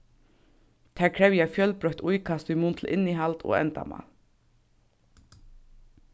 tær krevja fjølbroytt íkast í mun til innihald og endamál